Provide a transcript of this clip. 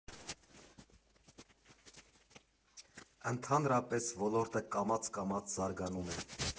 Ընդհանրապես, ոլորտը կամաց֊կամաց զարգանում է։